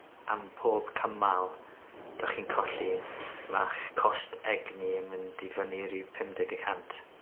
Am pob cymal dych chi'n colli ma'ch cost egni yn mynd i fyny ryw pum deg y cant.